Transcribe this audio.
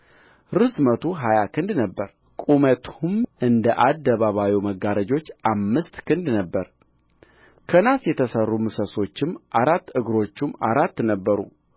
ርዝመቱ ሀያ ክንድ ነበረ ቁመቱም እንደ አደባባዩ መጋረጆች አምስት ክንድ ነበረ ከናስ የተሠሩ ምሰሶቹም አራት እግሮቹም አራት ነበሩ